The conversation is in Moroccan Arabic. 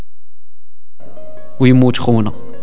ويموت خونه